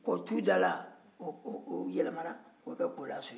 kɔtu da la o yɛlɛmana k'o kɛ kolaso ye